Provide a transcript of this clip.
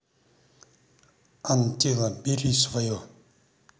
антила бери свое